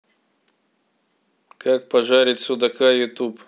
как пожарить судака ютуб